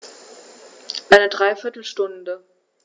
Eine dreiviertel Stunde